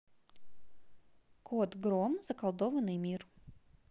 кот гром заколдованный мир